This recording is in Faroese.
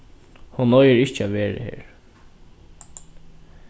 hon eigur ikki at vera her